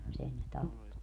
mutta sen ne tappoi